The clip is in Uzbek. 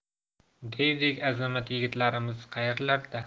devdek azamat yigitlarimiz qayerlarda